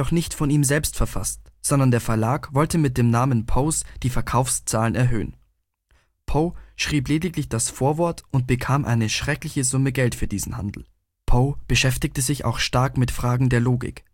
nicht von ihm selbst verfasst, sondern der Verlag wollte mit dem Namen Poes die Verkaufszahlen erhöhen. Poe schrieb lediglich das Vorwort und bekam eine erkleckliche Summe Geld für diesen Handel. Poe beschäftigte sich auch stark mit Fragen der Logik